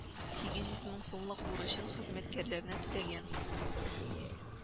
Сигез йөз мең сумлык бурычын хезмәткәрләренә түләгән